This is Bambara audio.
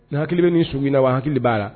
Ni hakili bɛ ni sumu in na wa hakili de b'a la